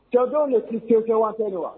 Cɛwdon de si se kɛ waa de wa